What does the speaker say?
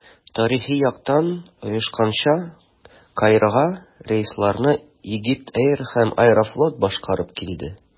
Тарихи яктан оешканча, Каирга рейсларны Egypt Air һәм «Аэрофлот» башкарып килде.